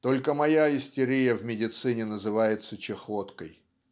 Только моя истерия в медицине называется чахоткой".